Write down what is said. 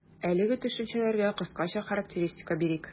Әлеге төшенчәләргә кыскача характеристика бирик.